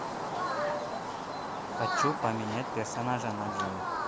хочу поменять персонажа на джой